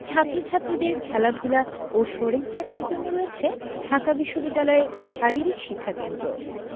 ছাত্র ছাত্রীদের খেলাধুলা ও শরীরচর্চার জন্য রয়েছে ঢাকা বিশ্ববিদ্যালয়ে শারীরিক শিক্ষাকেন্দ্র